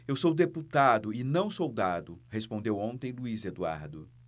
eu sou deputado e não soldado respondeu ontem luís eduardo